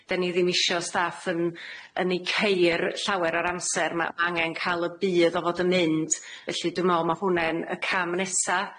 'Den ni ddim isio staff yn yn eu ceir llawer o'r amser. Ma' angen cal y budd o fod yn mynd, felly dwi me'wl ma' hwn'ne'n y cam nesa